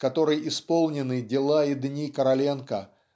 которой исполнены дела и дни Короленко